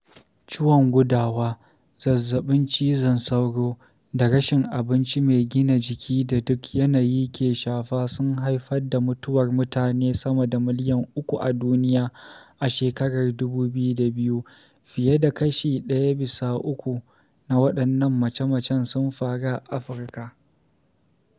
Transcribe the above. Ciwon gudawa, zazzabin cizon sauro, da rashin abinci mai gina jiki da duk yanayi ke shafa sun haifar da mutuwar mutane sama da miliyan 3 a duniya a shekarar 2002; fiye da kashi ɗaya bisa uku na waɗannan mace-macen sun faru a Afirka.